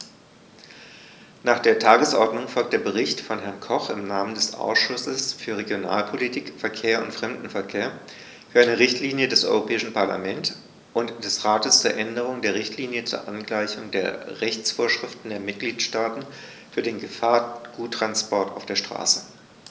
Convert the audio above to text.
Nach der Tagesordnung folgt der Bericht von Herrn Koch im Namen des Ausschusses für Regionalpolitik, Verkehr und Fremdenverkehr für eine Richtlinie des Europäischen Parlament und des Rates zur Änderung der Richtlinie zur Angleichung der Rechtsvorschriften der Mitgliedstaaten für den Gefahrguttransport auf der Straße.